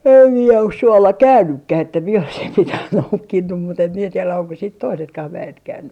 en minä ole suolla käynytkään että minä olisin mitään noukkinut mutta en minä tiedä onko sitten toisetkaan väet käynyt